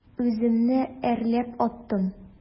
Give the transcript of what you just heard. Үземне әрләп аттым.